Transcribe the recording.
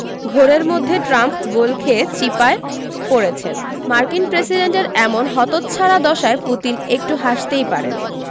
ঘোরের মধ্যে ট্রাম্প গোল খেয়ে চিপায় পড়েছেন মার্কিন প্রেসিডেন্টের এমন হতচ্ছাড়া দশায় পুতিন একটু হাসতেই পারেন